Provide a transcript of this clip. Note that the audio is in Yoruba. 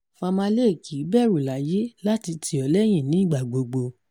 Famalay kì í bẹ̀rù láyé láti tì ọ́ lẹ́yìn ní ìgbà gbogbo...